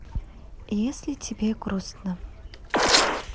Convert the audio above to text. если тебе грустно